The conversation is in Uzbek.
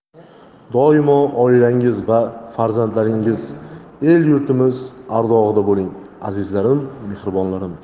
doimo oilangiz va farzandlaringiz el yurtimiz ardog'ida bo'ling azizlarim mehribonlarim